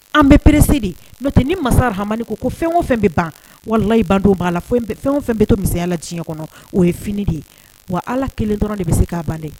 An bɛɛ peressi detɛ ni masa hamamani ko ko fɛn o fɛn bɛ ban walahiban dɔ b'a la fɛn o fɛn bɛ to misiya la diɲɛɲɛ kɔnɔ o ye fini de ye wa ala kelen dɔrɔn de bɛ se k'a ban